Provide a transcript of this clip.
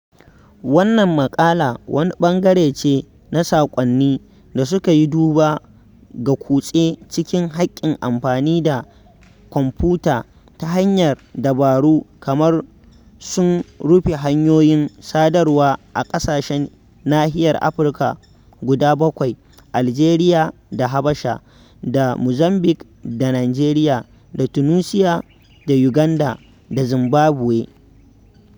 Wannan maƙala wani ɓangare ce na saƙonni da suka yi duba ga kutse cikin haƙƙin amfani da kwamfuta ta hanyar dabaru kamar sun rufe hanyoyin sadarwa a ƙasashen nahiyar Afirka guda bakwai: Aljeriya da Habasha da Muzambik da Nijeriya da Tunusiya da Yuganda da Zimbabwe.